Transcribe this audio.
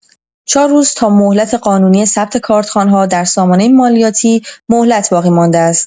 ۴ روز تا مهلت قانونی ثبت کارتخوان‌ها در سامانه مالیاتی مهلت باقی‌مانده است.